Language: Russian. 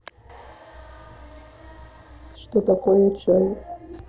что такое чай